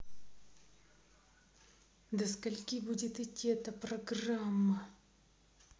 до скольки будет идти эта программа